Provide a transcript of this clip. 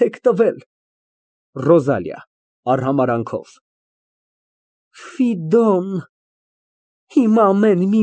ՎԱՐԴԱՆ ֊ Ա բալամ, դե մենք չոբան մարդ անք, հինչ իմանանք։